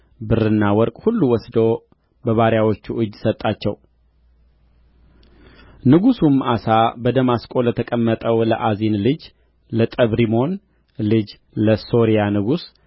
ብርና ወርቅ ሁሉ ወስዶ በባሪያዎቹ እጅ ሰጣቸው ንጉሡም አሳ በደማስቆ ለተቀመጠው ለአዚን ልጅ ለጠብሪሞን ልጅ ለሶርያ ንጉሥ